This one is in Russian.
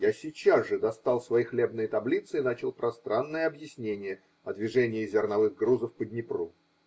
Я сейчас же достал свои хлебные таблицы и начал пространное объяснение о движении зерновых грузов по Днепру.